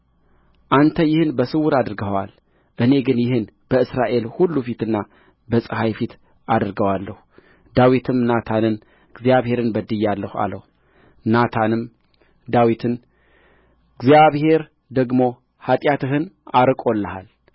አንተ ይህን በስውር አድርገኸዋል እኔ ግን ይህን በእስራኤል ሁሉ ፊትና በፀሐይ ፊት አደርገዋለሁ ዳዊትም ናታንን እግዚአብሔርን በድያለሁ አለው ናታንም ዳዊትን እግዚአብሔር ደግሞ ኃጢአትህን አርቆልሃል